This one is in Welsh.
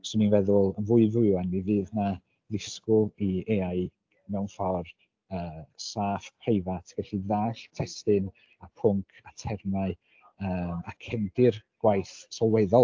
'swn i'n feddwl yn fwy fwy ŵan mi fydd yna ddisgwyl i AI mewn ffordd saff, preifat, gallu ddallt testun a pwnc a termau a cefndir gwaith sylweddol.